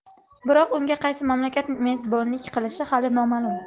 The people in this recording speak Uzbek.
biroq unga qaysi mamlakat mezbonlik qilishi hali noma'lum